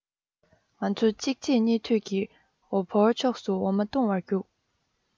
ང ཚོ གཅིག རྗེས གཉིས མཐུད ཀྱིས འོ ཕོར ཕྱོགས སུ འོ མ བཏུང བར བརྒྱུགས